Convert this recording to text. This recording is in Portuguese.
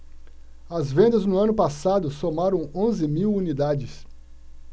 as vendas no ano passado somaram onze mil unidades